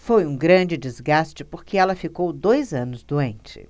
foi um grande desgaste porque ela ficou dois anos doente